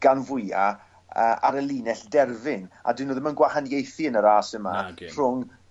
gan fwya yy ar y linell derfyn a 'dyn n'w ddim yn gwahaniaethu yn y ras yma... Nagyn. ...rhwng